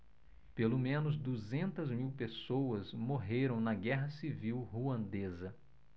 pelo menos duzentas mil pessoas morreram na guerra civil ruandesa